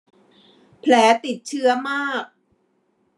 แผลติดเชื้อมาก